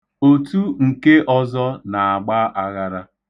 Otu nke ọzọ na-agba aghara.